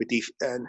wedi ff- yym